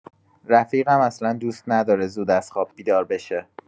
رفیقم اصلا دوست نداره زود از خواب بیدار بشه.